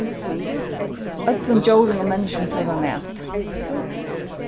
øllum djórum og menniskjum tørvar mat